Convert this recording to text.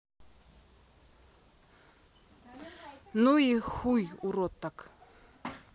ну и хуй урод так